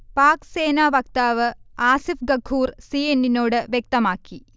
Pack സേന വക്താവ് Asif Ghafoor C. N. എന്നിനോട് വ്യക്തമാക്കി